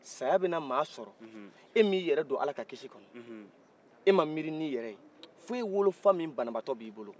saya bɛna mɔgɔ sɔrɔ e m'i yɛrɛ don ala ka kiisi kɔnɔ e ma miiri n'i yɛrɛ ye fo e wolo fa min baanabatɔ b'i yɛrɛbolo